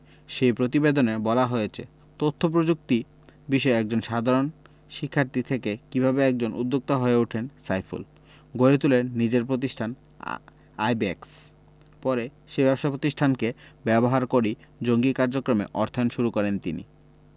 সেই প্রতিবেদনে বলা হয়েছে তথ্যপ্রযুক্তি বিষয়ের একজন সাধারণ শিক্ষার্থী থেকে কীভাবে একজন উদ্যোক্তা হয়ে ওঠেন সাইফুল গড়ে তোলেন নিজের প্রতিষ্ঠান আইব্যাকস পরে সেই ব্যবসা প্রতিষ্ঠানকে ব্যবহার করেই জঙ্গি কার্যক্রমে অর্থায়ন শুরু করেন তিনি